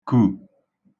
kù